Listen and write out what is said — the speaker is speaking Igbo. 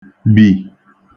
bì